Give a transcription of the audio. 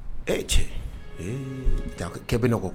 E cɛ . Ee